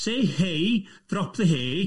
Say, hey, drop the aets, just say